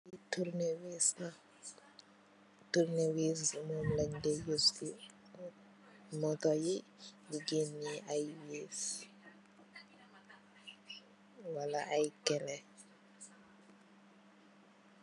Lii turnewiis la, turnewiis mom lañg de yuus ci moto yi, di geene ay wiis Wala ay kele yi.